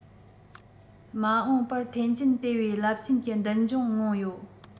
མ འོངས པར ཐེན ཅིན དེ བས རླབས ཆེན གྱི མདུན ལྗོངས མངོན ཡོད